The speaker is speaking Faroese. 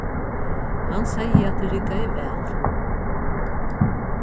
hann segði at eg riggaði væl